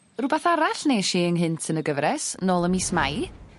Rwbath arall nesh i ynghynt yn y gyfres nôl ym mis Mai